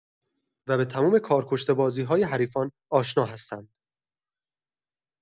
و به تموم کارکشته بازی‌های حریفان آشنا هستند.